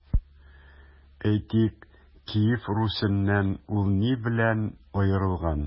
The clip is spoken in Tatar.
Әйтик, Киев Русеннан ул ни белән аерылган?